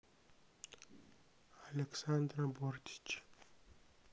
александра бортич